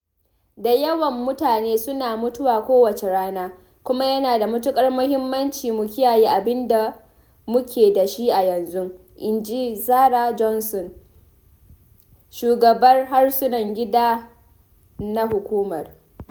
“Da yawan manyanmu suna mutuwa kowace rana, kuma yana da matuƙar muhimmanci mu kiyaye abin da muke da shi a yanzu,” in ji Sarah Johnson, shugabar harsunan gida na Hukumar